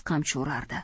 qamchi urardi